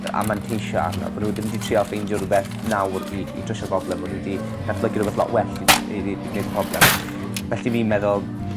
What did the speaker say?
yy a manteisio arno bo' n'w ddim 'di trial ffeindio rwbeth nawr i i trwsio broblem o' n'w 'di datblygu rwbeth lot well i dat- i ddi- i neud y problem felly fi'n meddwl